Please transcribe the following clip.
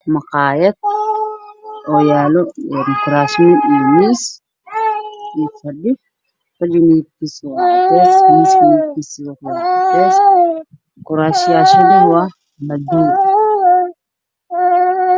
Waa maqaayad yaalo kuraas iyo miis